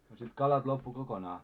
no sitten kalat loppuivat kokonaan